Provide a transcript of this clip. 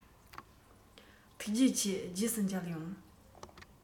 ཐུགས རྗེ ཆེ རྗེས སུ མཇལ ཡོང